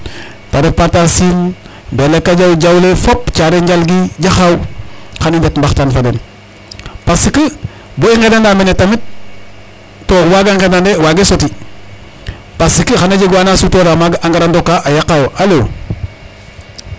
Ta ref Pataar Siin, Mbelakajaw. Jawle fop Caare Njalgi Jaxaaw xan i ndet mbaxtan fo den parce que bo i nqendana mene tamit to waaga ngendanee waagee soti parce que xaye jeg wa na sutoora maaga a ngara ndoka a yaqaayo alo.